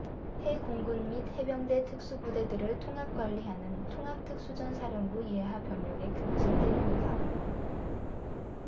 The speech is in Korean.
해 공군및 해병대 특수부대들을 통합 관리하는 통합특수전사령부 예하 병력의 급증 때문이다